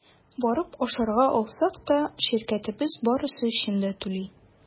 Барып ашарга алсак та – ширкәтебез барысы өчен дә түли.